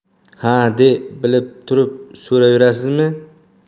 ha de bilib turib so'ruvrasizmi